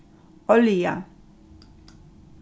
olja